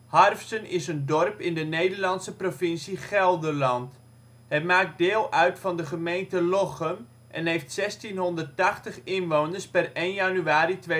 Harfsen is een dorp in de Nederlandse provincie Gelderland. Het maakt deel uit van de gemeente Lochem en heeft 1680 inwoners (1 januari 2006). Tot 2005